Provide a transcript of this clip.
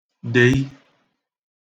deyi